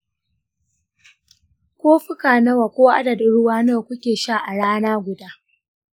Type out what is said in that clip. kofuna nawa ko adadin ruwa nawa kuke sha a rana guda?